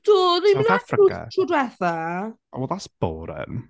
Do, dwi'n meddwl wnaethon nhw tro dwetha... O, that's boring.